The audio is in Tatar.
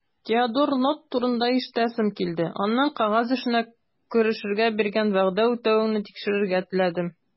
Теодор Нотт турында ишетәсем килде, аннан кәгазь эшенә керешергә биргән вәгъдә үтәвеңне тикшерергә теләдем.